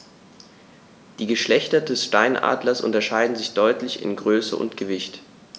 Die Geschlechter des Steinadlers unterscheiden sich deutlich in Größe und Gewicht.